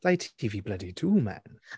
ITV bloody two man!